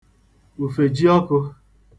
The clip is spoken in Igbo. ùfièjiọkụ̄